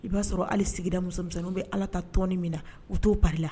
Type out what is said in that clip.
I b'a sɔrɔ hali sigida musomisɛnninw bɛ ala taa tɔnni min na u t'o pari la